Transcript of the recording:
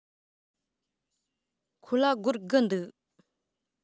ཁོ ལ སྒོར དགུ འདུག